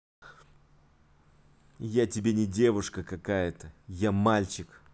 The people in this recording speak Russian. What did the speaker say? я тебе не девушка какая то я мальчик